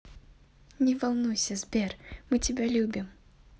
не волнуйся сбер мы тебя любим